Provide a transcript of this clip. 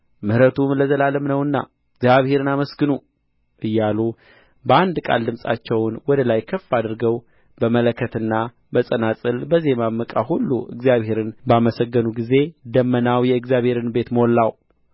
ምሕረቱም ለዘላለም ነውና እግዚአብሔርን አመስግኑ እያሉ በአንድ ቃል ድምፃቸውን ወደ ላይ ከፍ አድገው በመለከትና በጸናጽል በዜማም ዕቃ ሁሉ እግዚአብሔርን ባመሰገኑ ጊዜ ደመናው የእግዚአብሔርን ቤት ሞላው